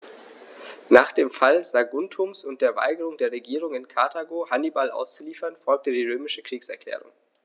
Nach dem Fall Saguntums und der Weigerung der Regierung in Karthago, Hannibal auszuliefern, folgte die römische Kriegserklärung.